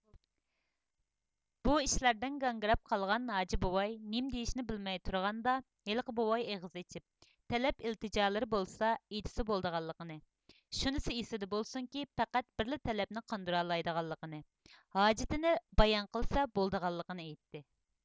بۇ ئىشلاردىن گاڭگىراپ قالغان ھاجى بوۋاي نېمە دېيىشنى بىلمەي تۇرغاندا ھېلىقى بوۋاي ئېغىز ئېچىپ تەلەپ ئىلتىجالىرى بولسا ئېيتسا بولىدىغانلىقىنى شۇنىسى ئېسىىدە بولسۇنكى پەقەت بىرلا تەلىپىنى قاندۇرالايدىغانلىقىنى ھاجىتىنى بايان قىلسا بولىدىغانلىقىنى ئېيتتى